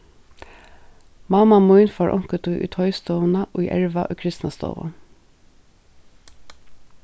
mamma mín fór onkuntíð í toystovuna í erva í kristnastovu